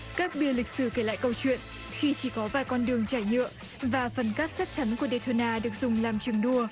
các bia lịch sử kể lại câu chuyện khi chỉ có vài con đường trải nhựa và phần kết chắc chắn của đây thôn na được dùng làm trường đua